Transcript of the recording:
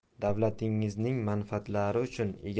davlatingizning manfaatlari uchun